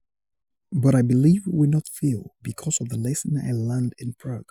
But I believe we will not fail, because of the lesson I learned in Prague.